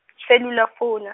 cellular phone a.